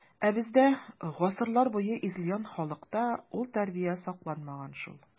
Ә бездә, гасырлар буе изелгән халыкта, ул тәрбия сакланмаган шул.